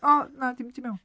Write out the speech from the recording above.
O na dim tu mewn.